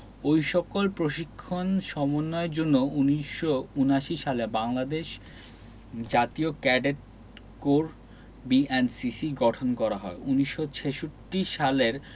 ওই সকল প্রশিক্ষণ সমন্বয়ের জন্য ১৯৭৯ সালে বাংলাদেশ জাতীয় ক্যাডেট কোর বিএনসিসি গঠন করা হয় ১৯৬৬ সালের